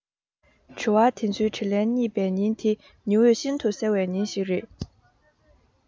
དྲི བ དེ ཚོའི དྲིས ལན རྙེད པའི ཉིན དེ ཉི འོད ཤིན ཏུ གསལ བའི ཉིན ཞིག རེད